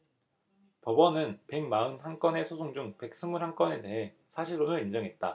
법원은 백 마흔 한 건의 소송 중 백 스물 한 건에 대해 사실혼을 인정했다